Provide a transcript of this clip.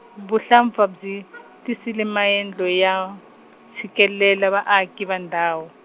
vuhlampfa byi, tisile maendlo ya, tshikelela vaaki va ndhawu.